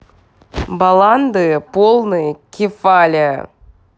баланды полные кефали